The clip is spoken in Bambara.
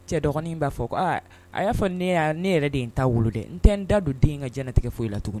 Cɛ dɔgɔnin b'a fɔ aa a y'a fɔ ne yɛrɛ de n t'a wolo dɛ n tɛ n da don den ka j tɛ foyi la tugun